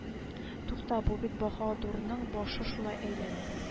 Тукта бу бит баһадурның башы шулай әйләнә